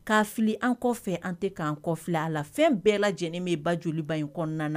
Ka fili an kɔ fɛ an tɛ'an kɔfi a la fɛn bɛɛ lajɛlen min ba joliba in kɔnɔna